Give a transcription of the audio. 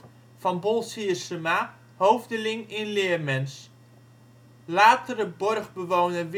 Bolsiersema hoofdeling in Leermens. Latere borgbewoner